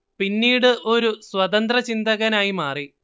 പിന്നീട് ഒരു സ്വതന്ത്ര ചിന്തകനായി മാറി